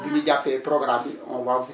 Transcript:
bu ñu jàppee programme bi on va vous